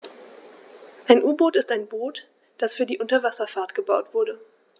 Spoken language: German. Ein U-Boot ist ein Boot, das für die Unterwasserfahrt gebaut wurde.